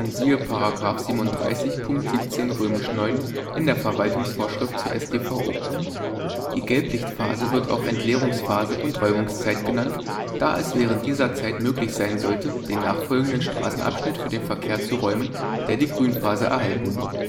siehe § 37 Punkt 17 IX. VwV zur StVO). Die Gelblichtphase wird auch Entleerungsphase und Räumungszeit genannt, da es während dieser Zeit möglich sein sollte, den nachfolgenden Straßenabschnitt für den Verkehr zu räumen, der die Grünphase erhalten wird